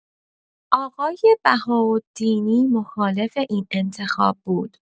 آقای بهاالدینی مخالف این انتخاب بود.